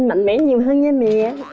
mạnh mẽ nhiều hơn như em nè